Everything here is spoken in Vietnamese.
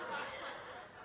ô